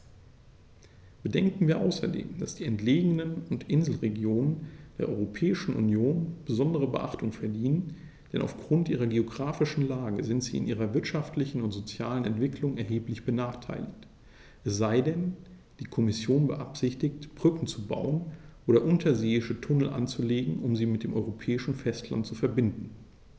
Bedenken wir außerdem, dass die entlegenen und Inselregionen der Europäischen Union besondere Beachtung verdienen, denn auf Grund ihrer geographischen Lage sind sie in ihrer wirtschaftlichen und sozialen Entwicklung erheblich benachteiligt - es sei denn, die Kommission beabsichtigt, Brücken zu bauen oder unterseeische Tunnel anzulegen, um sie mit dem europäischen Festland zu verbinden.